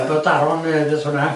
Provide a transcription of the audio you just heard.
Aberdaron neu beth bynnag.